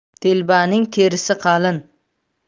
telbaning terisi qalin